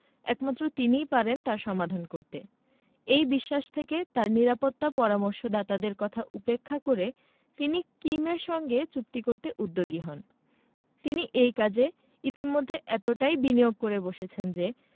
একমাত্র তিনিই পারেন তার সমাধান করতে এই বিশ্বাস থেকে তাঁর নিরাপত্তা পরামর্শদাতাদের কথা উপেক্ষা করে তিনি কিমের সঙ্গে চুক্তি করতে উদ্যোগী হন তিনি এই কাজে ইতিমধ্যে এতটাই বিনিয়োগ করে বসেছেন যে